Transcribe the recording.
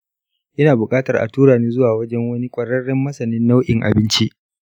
ina buƙatar a tura ni zuwa wajen wani ƙwararren masanin nau'in abinci.